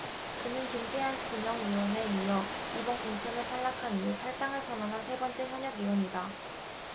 그는 김태환 진영 의원에 이어 이번 공천에서 탈락한 이후 탈당을 선언한 세 번째 현역 의원이다